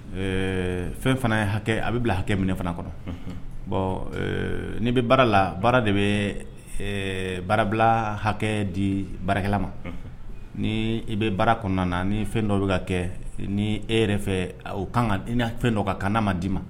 Fɛn fana hakɛ a bɛ bila hakɛ minɛ fana kɔnɔ bon n'i bɛ baara la baara de bɛ baarabila hakɛ di baarakɛla ma ni i bɛ baara kɔnɔna na ni fɛn dɔ bɛ ka kɛ ni e yɛrɛ fɛ kan i fɛn dɔ kan n'a ma d'i ma